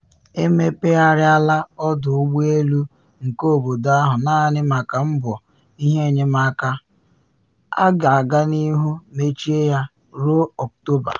Emepegharịala ọdụ ụgbọ elu nke obodo ahụ naanị maka mbọ ihe enyemaka, a ga-aga n’ihu mechie ya ruo Ọkt.